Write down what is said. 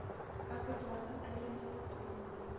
Ә кызлардан алия нигъмәтуллина